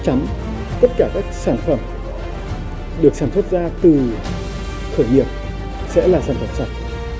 chắn tất cả các sản phẩm được sản xuất ra từ khởi nghiệp sẽ là sản phẩm sạch